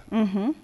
Unhun